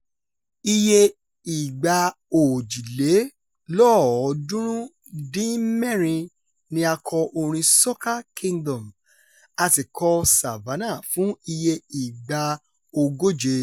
Iye ìgbà 336 ni a kọ orin “Soca Kingdom”, a sì kọ "Savannah" fún iye ìgbà 140.